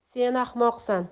sen ahmoqsan